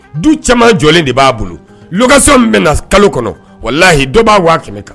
Du caman jɔlen de b'a bolo location bɛna kalo kɔnɔ walahi dɔ b'a 100000 kan.